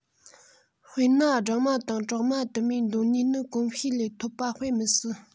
དཔེར ན སྦྲང མ དང གྲོག མ དུ མའི གདོད ནུས ནི གོམས གཤིས ལས ཐོབ པ དཔེ མི སྲིད